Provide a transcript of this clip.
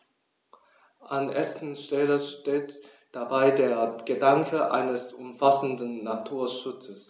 An erster Stelle steht dabei der Gedanke eines umfassenden Naturschutzes.